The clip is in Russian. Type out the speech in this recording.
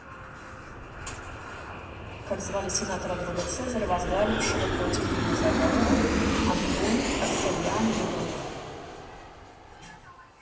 как звали сенатора друга цезаря возглавившего против него заговора антоний октавиан или брук